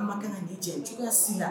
An man kan ka nin jɛ cogoya si la